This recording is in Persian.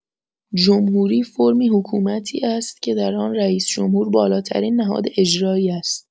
جمهوری فرمی حکومتی است که در آن رئیس‌جمهور بالاترین نهاد اجرایی است.